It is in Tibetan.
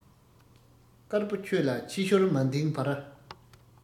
དཀར པོ ཆོས ལ ཕྱི བཤོལ མ འདིངས པར